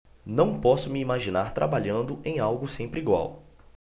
não posso me imaginar trabalhando em algo sempre igual